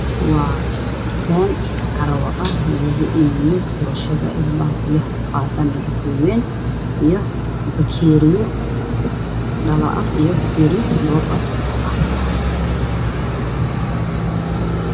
Waa dukan carwo ah laku iibiyo burashad oo biyah io bakeri dhalo ah io bakeri dhoob ah oo cadan ah